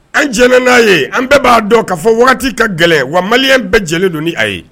An diɲɛna n'a ye an bɛ b'a dɔn ka fɔ wagati ka gɛlɛn wa malien bɛ diɲɛlen don ni a ye